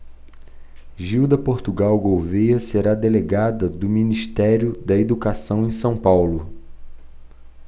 gilda portugal gouvêa será delegada do ministério da educação em são paulo